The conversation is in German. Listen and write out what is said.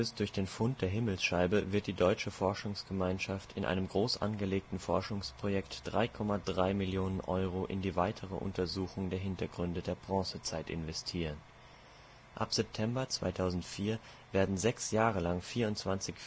durch den Fund der Himmelsscheibe wird die Deutsche Forschungsgemeinschaft in einem groß angelegten Forschungsprojekt 3,3 Millionen Euro in die weitere Untersuchung der Hintergründe der Bronzezeit investieren. Ab September 2004 werden sechs Jahre lang 24